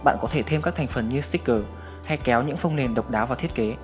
bạn có thể thêm các thành phần như sticker hay kéo những phônng nền độc đáo vào thiết kế